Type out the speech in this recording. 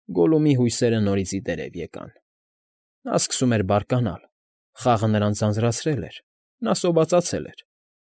Գոլլումի հույսերը նորից ի դերև ելան։ Նա սկսում էր բարկանալ, խաղը նրան ձանձրացրել էր, նա սովածացել էր։